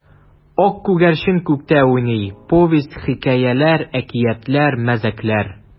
Ак күгәрчен күктә уйный: повесть, хикәяләр, әкиятләр, мәзәкләр.